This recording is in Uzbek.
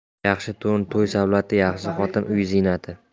yaxshi to'n to'y savlati yaxshi xotin uy ziynati